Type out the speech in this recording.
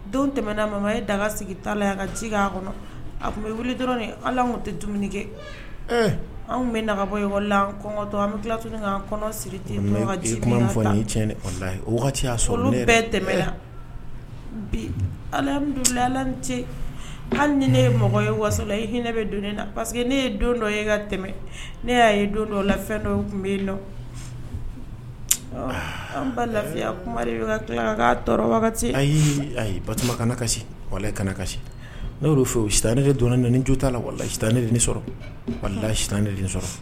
Don tɛmɛna mɛ ye daga sigi ta la a ka ci k' a kɔnɔ a tun bɛ wuli dɔrɔn ala tɛ dumuni kɛ anw bɛ nabɔ la an kɔngɔtɔ an bɛ tila tun kɔnɔ siri min o sɔrɔ bɛɛ tɛmɛla biduti hali ni ne mɔgɔ ye wala e hinɛ bɛ don ne la parceseke ne ye don dɔ e ka tɛmɛ ne y' ye don dɔ la fɛn dɔ tun bɛ la an ka lafiyabaga ayi ayi bato kana kasi wala kana kasi ne fɛ tan ne donna ni jo ta la wala tan ne sɔrɔ wala si tan ne sɔrɔ